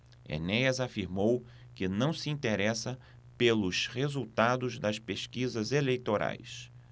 enéas afirmou que não se interessa pelos resultados das pesquisas eleitorais